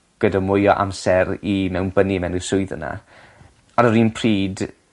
gyda mwy o amser i mewnbynnu mewn i'r swydd yna. Ar yr un pryd